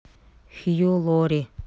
хью лори